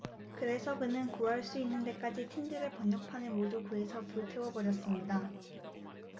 그래서 그는 구할 수 있는 데까지 틴들의 번역판을 모두 구해서 불태워 버렸습니다